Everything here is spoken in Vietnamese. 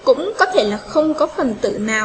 cũng có thể là không có phần tử nào